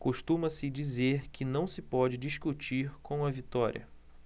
costuma-se dizer que não se pode discutir com a vitória